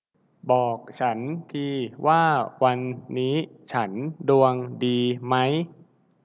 บอกฉันทีว่าวันนี้ฉันดวงดีมั้ย